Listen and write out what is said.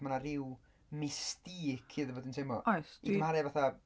Mae 'na ryw mystique iddo fo dwi'n teimlo... Oes, dwi. ...I gymharu efo fatha